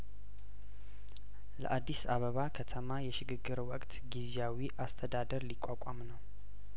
ለአዲስ አበባ ከተማ የሽግግር ወቅት ጊዜያዊ አስተዳደር ሊቋቋም ነው